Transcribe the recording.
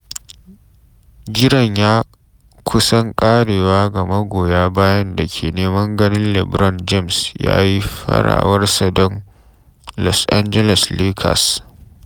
Jiran ya kusan karewa ga magoya bayan da ke neman ganin LeBron James ya yi farawarsa don Los Angeles Lakers.